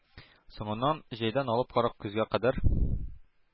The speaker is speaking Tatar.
Соңыннан җәйдән алып кара көзгә кадәр